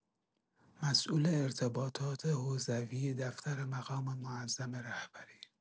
مسئول ارتباطات حوزوی دفتر مقام معظم رهبری